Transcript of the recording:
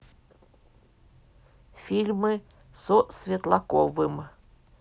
фильмы со светлаковым